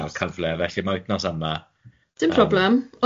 Dim cael cyfle, felly ma' wythnos yma... Dim problem